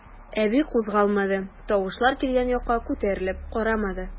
Әби кузгалмады, тавышлар килгән якка күтәрелеп карамады.